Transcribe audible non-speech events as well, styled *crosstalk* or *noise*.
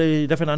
*hesitation* *hesitation*